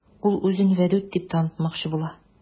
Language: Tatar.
Ул үзен Вәдүт дип танытмакчы була.